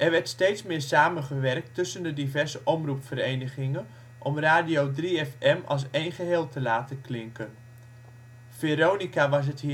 werd steeds meer samengewerkt tussen de diverse omroepverenigingen om Radio 3FM als één geheel te laten klinken. Veronica was het